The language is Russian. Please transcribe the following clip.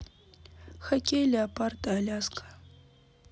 хоккей леопарды аляска